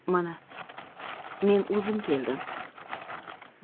mana men o'zim keldim